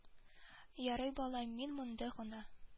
Ярый балам мин монда гына